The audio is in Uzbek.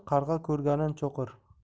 qarg'a ko'rganin cho'qir